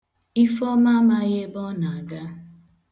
Ifeoma amaghị ebe ọ na-aga.